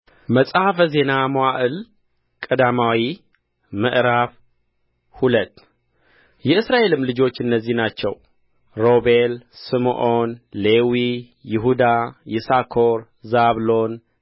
መጽሐፈ ዜና መዋዕል ቀዳማዊ ምዕራፍ ሁለት የእስራኤልም ልጆች እነዚህ ናቸው ሮቤል ስምዖን ሌዊ ይሁዳ ይሳኮር ዛብሎን